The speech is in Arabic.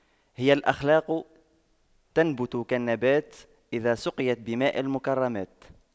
هي الأخلاق تنبت كالنبات إذا سقيت بماء المكرمات